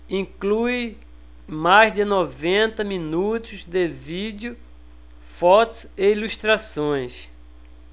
inclui mais de noventa minutos de vídeo fotos e ilustrações